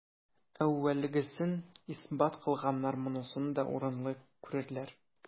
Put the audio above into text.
Әүвәлгесен исбат кылганнар монысын да урынлы күрерләр.